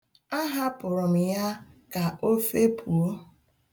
A hapụrụ m ya ka o fepuo.